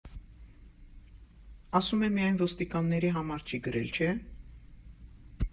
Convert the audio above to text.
Ասում է՝ միայն ոստիկանների համար չի գրել, չէ՞։